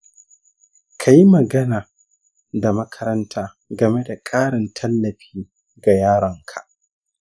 ka yi magana da makaranta game da ƙarin tallafi ga yaron ka.